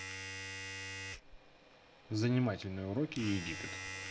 занимательные уроки египет